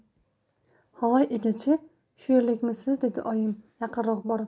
hoy egachi shu yerlikmisiz dedi oyim yaqinroq borib